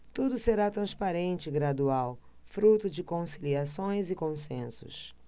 tudo será transparente e gradual fruto de conciliações e consensos